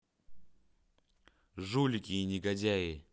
жулики и негодяи